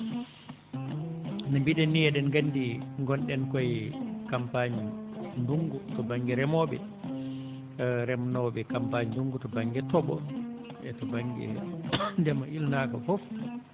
ne mbiiɗen ni eɗen nganndi gonɗen koye campagne ndunngu to baŋnge remooɓe remnooɓe campagne ndunngu to baŋnge toɓo e to baŋnge ndema ilnaaka fof